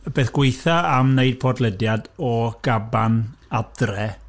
Y peth gwaetha am wneud podlediad o gaban adre...